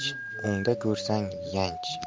ganj o'ngda ko'rsang yanch